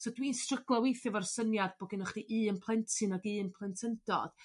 So dwi'n stryglo weithia 'fo'r syniad bo' ginnoch chi un plentyn ag un plentyndod.